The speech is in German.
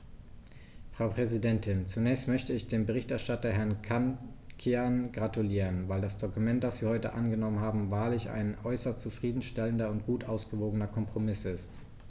Frau Präsidentin, zunächst möchte ich dem Berichterstatter Herrn Cancian gratulieren, weil das Dokument, das wir heute angenommen haben, wahrlich ein äußerst zufrieden stellender und gut ausgewogener Kompromiss ist.